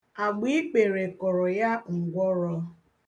Agbaikpere kụrụ ya ngwụrọ.